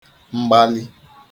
mgbali